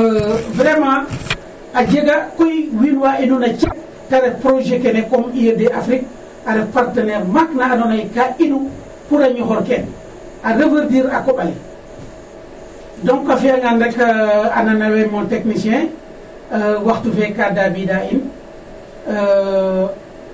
vraiment a jega koy wiin wa inuna cek ta ref projet kene comme IED Afrique a ref partenaire maak na andoona yee ka inu pour a ñoxor kene a reverdire a koƥ ale donc a fi'angaan rek a nana ye mon technicien waxtu fe ka daabiida in.